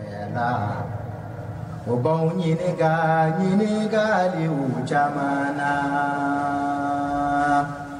U banw ɲininka ɲinika denw caman naa